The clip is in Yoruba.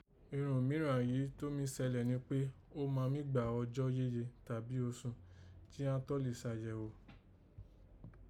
Irun miran yìí tọ́n mí sẹlẹ̀ ni kpé, ó máa mí gbà ọjọ́ yéye tàbí osùn jí àn tó lè sàyẹ̀gho